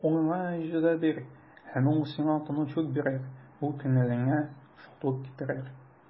Углыңа җәза бир, һәм ул сиңа тынычлык бирер, һәм күңелеңә шатлык китерер.